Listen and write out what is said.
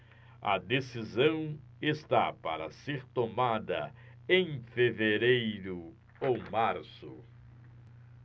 a decisão está para ser tomada em fevereiro ou março